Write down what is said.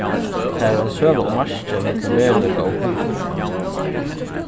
tað er ein søga um markið millum veruleika og hugflog